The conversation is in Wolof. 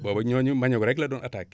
booba ñooñu manioc rekk la doon attaqué